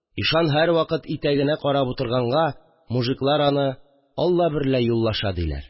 Ишан һәрвакыт итәгенә карап утырганга, мужиклар аны: «Алла берлә юллаша», – диләр